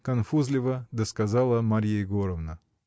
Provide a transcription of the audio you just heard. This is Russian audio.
— конфузливо досказала Марья Егоровна.